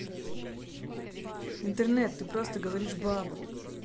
интернет ты просто говоришь баба